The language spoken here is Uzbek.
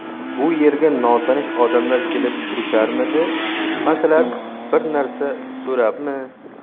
bu yerga notanish odamlar kelib turisharmidi masalan bir narsa so'rabmi